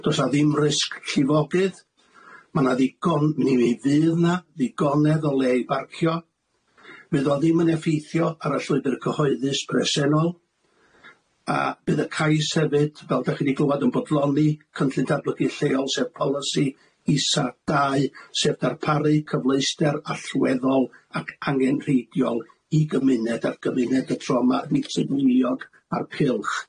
Do's 'na ddim risg llifogydd, ma' 'na ddigon ne' i fydd na ddigonedd o le i barcio, fydd o ddim yn effeithio ar y llwybyr cyhoeddus bresennol, a bydd y cais hefyd fel dach chi di glwad yn bodloni cynllun datblygu lleol sef polisi isa dau sef darparu cyfleuster allweddol ac angenrheidiol i gymuned a'r gymuned y tro ma' di Tudweiliog a'r cylch.